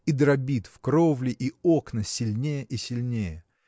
и дробит в кровли и окна сильнее и сильнее.